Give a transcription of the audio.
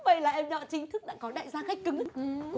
vậy là em nó đã chính thức có đại gia khách cứng